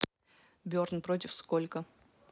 burn против сколько